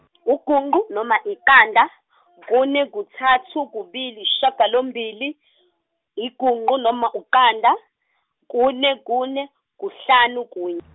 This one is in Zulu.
ugungqu noma iqanda, kune, kuthathu, kubili, isishagalombili, igunqu, noma, iqanda, kune, kune, kuhlanu, kuny-.